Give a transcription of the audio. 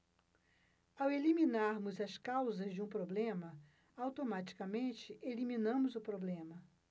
ao eliminarmos as causas de um problema automaticamente eliminamos o problema